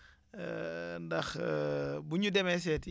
ndax bu ñu demee seeti